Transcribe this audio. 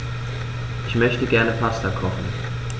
Ich möchte gerne Pasta kochen.